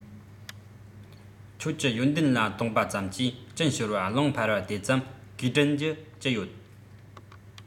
ཁྱོད ཀྱི ཡོན ཏན ལ བཏུངས པ ཙམ གྱིས གཅིན ཤོར བ རླུང འཕར བ དེ ཙམ གས དྲིན རྒྱུ ཅི ཡོད